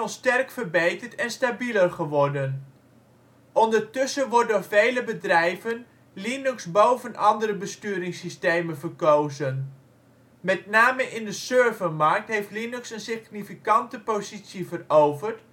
sterk verbeterd en stabieler geworden. Ondertussen wordt door vele bedrijven Linux boven andere besturingssystemen verkozen. Met name in de servermarkt heeft Linux een significante positie veroverd